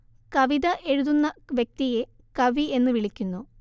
കവിത എഴുതുന്ന വ്യക്തിയെ കവി എന്നു വിളിക്കുന്നു